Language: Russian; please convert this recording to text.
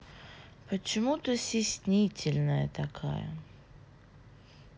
почему ты сиснительная такая